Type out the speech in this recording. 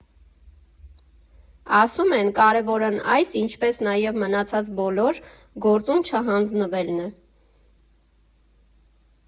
Ասում են՝ կարևորն այս (ինչպես նաև մնացած բոլոր) գործում չհանձնվելն է։